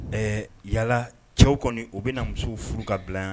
Ɛɛ yala cɛw kɔni u bɛna na muso furu ka bila yan